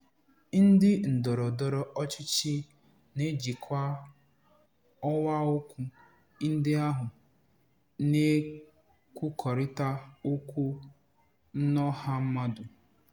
Ndị ndọrọ ndọrọ ọchịchị na-ejikwa ọwa okwu ndị ahụ na-ekwukọrịta okwu n'ọha mmadụ?